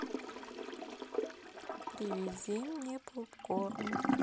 привези мне попкорн